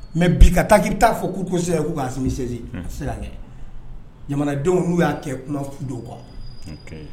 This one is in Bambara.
Mɛ bi ka taa i bɛ t taaa fɔ' ko se ko' se dɛ ɲamanadenw n'u y'a kɛ kuma fudo kɔ